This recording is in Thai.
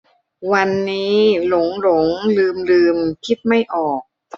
วันนี้หลงหลงลืมลืมคิดไม่ออก